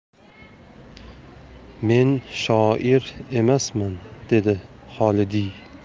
men shoir emasan dedi xolidiy